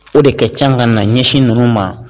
O de kɛ ca ka na ɲɛsin ninnu ma